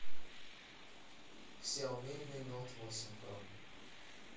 вся умеренный note восемь pro